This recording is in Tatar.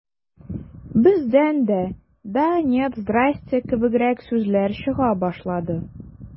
Бездән дә «да», «нет», «здрасте» кебегрәк сүзләр чыга башлады.